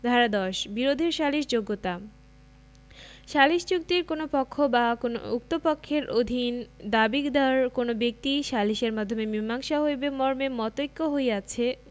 ধারা ১০ বিরোধের সালিসযোগ্যতাঃ সালিস চুক্তির কোন পক্ষ বা উক্ত পক্ষের অধীন দাবীদার কোন ব্যক্তি সালিসের মাধ্যমে মীসাংসা হইবে মর্মে মতৈক্য হইয়াছে